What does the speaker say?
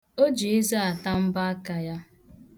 O ji eze ata mbọaka ya.